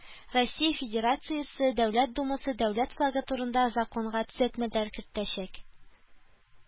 Россия Федерациясе Дәүләт Думасы Дәүләт флагы турында законга төзәтмәләр кертәчәк